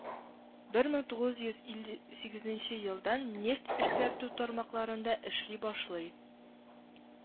Бер мең тугыз йөз илле сигезенче елдан нефть эшкәртү тармакларында эшли башлый